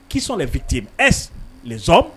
Kisɔn de fit ɛ zsɔn